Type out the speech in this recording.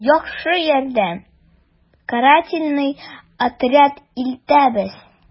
«яхшы ярдәм, карательный отряд илтәбез...»